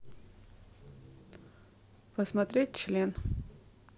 посмотреть член